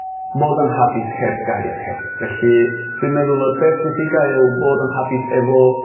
bodd yn hapus heb gariad hefyd felly dwi'n meddwl y beth pwysica yw bod yn hapus efo